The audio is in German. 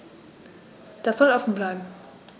Das soll offen bleiben.